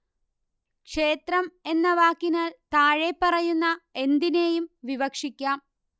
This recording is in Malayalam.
ക്ഷേത്രം എന്ന വാക്കിനാൽ താഴെപ്പറയുന്ന എന്തിനേയും വിവക്ഷിക്കാം